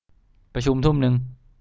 ประชุมทุ่มนึง